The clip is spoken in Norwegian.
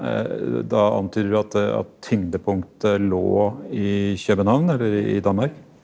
da antyder du at at tyngdepunktet lå i København eller i Danmark?